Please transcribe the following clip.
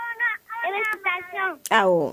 Faama i